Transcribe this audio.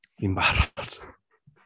Fi’n barod nawr te.